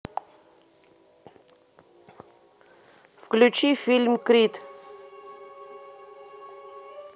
включи фильм крид